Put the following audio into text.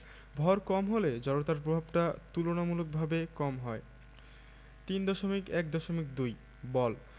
ভর কম হলে জড়তার প্রভাবটা তুলনামূলকভাবে কম হয় ৩.১.২ বল